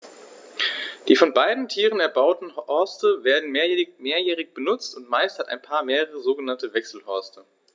Die von beiden Tieren erbauten Horste werden mehrjährig benutzt, und meist hat ein Paar mehrere sogenannte Wechselhorste.